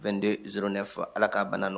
Vde zurun ne fɔ ala k ka bana nɔ